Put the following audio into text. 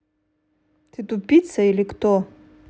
ты тупица или кто